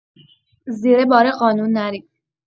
زیر بار قانون نریم